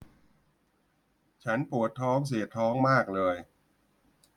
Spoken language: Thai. ฉันปวดท้องเสียดท้องมากเลย